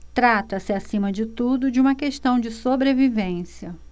trata-se acima de tudo de uma questão de sobrevivência